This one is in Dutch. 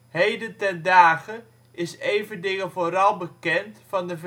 Heden ten dage is Everdingen vooral bekend van de